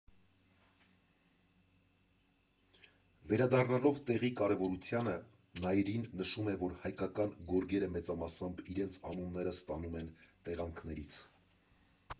Վերադառնալով տեղի կարևորությանը, Նայիրին նշում է, որ հայկական գորգերը մեծամասամբ իրենց անունները ստանում են տեղանքներից։